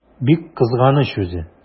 Бик кызганыч үзе!